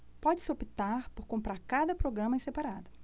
pode-se optar por comprar cada programa em separado